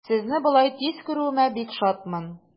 Сезне болай тиз күрүемә бик шатмын.